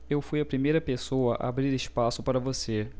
eu fui a primeira pessoa a abrir espaço para você